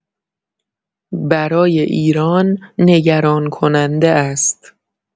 برای ایران نگران‌کننده است.